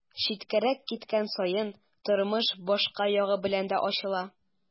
Читкәрәк киткән саен тормыш башка ягы белән дә ачыла.